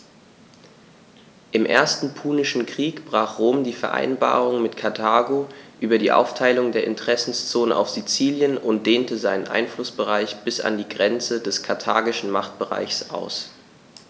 Im Ersten Punischen Krieg brach Rom die Vereinbarung mit Karthago über die Aufteilung der Interessenzonen auf Sizilien und dehnte seinen Einflussbereich bis an die Grenze des karthagischen Machtbereichs aus.